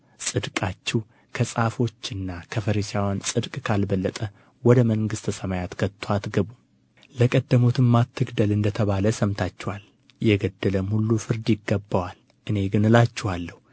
ጽድቃችሁ ከጻፎችና ከፈሪሳውያን ጽድቅ ካልበለጠ ወደ መንግሥተ ሰማያት ከቶ አትገቡም ለቀደሙት አትግደል እንደ ተባለ ሰምታችኋል የገደለም ሁሉ ፍርድ ይገባዋል እኔ ግን እላችኋለሁ